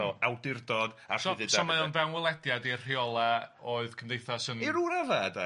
So awdurdod a rhyddid ar gyfer... So so mae o'n fewnwelediad i'r rheola' oedd cymdeithas yn... I ryw radda' de